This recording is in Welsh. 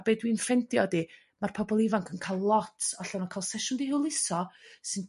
a be dwi'n ffeindio 'di ma'r pobl ifanc yn ca'l lot allan o ca'l sesiwn 'di hwyluso sy'n